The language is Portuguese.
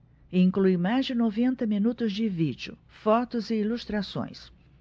inclui mais de noventa minutos de vídeo fotos e ilustrações